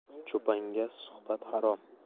cho'ponga suhbat harom